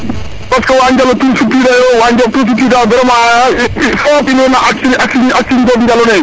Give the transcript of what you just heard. parce que wa Njalo tout sutwida yo wa Njob tout sutwida yo vraiment in way no activité Njalo ne